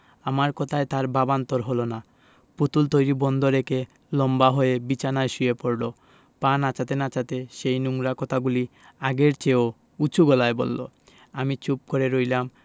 আমার কথায় তার ভাবান্তর হলো না পুতুল তৈরী বন্ধ রেখে লম্বা হয়ে বিছানায় শুয়ে পড়লো পা নাচাতে নাচাতে সেই নোংরা কথাগুলি আগের চেয়েও উচু গলায় বললো আমি চুপ করে রইলাম